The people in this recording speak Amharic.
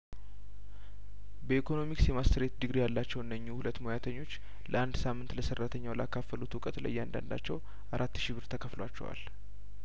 በኢኮኖሚክስ የማስትሬት ዲግሪ ያላቸው እነኚሁ ሁለት ሙያተኞች ለአንድ ሳምንት ለሰራተኛው ላካፈሉት እውቀት ለእያንዳንዳቸው አራት ሺ ብር ተከፍሏቸዋል